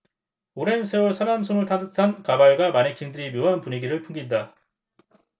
오랜 세월 사람 손을 탄 듯한 가발과 마네킹들이 묘한 분위기를 풍긴다